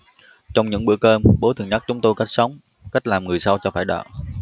trong những bữa cơm bố thường nhắc chúng tôi cách sống cách làm người sao cho phải đạo